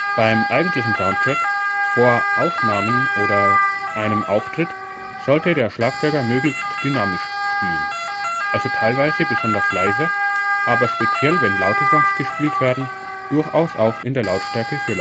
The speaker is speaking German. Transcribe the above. Beim eigentlichen Soundcheck vor Aufnahmen oder einem Auftritt sollte der Schlagzeuger möglichst dynamisch spielen (also teilweise besonders leise, aber speziell wenn laute Songs gespielt werden, durchaus auch in der Lautstärke für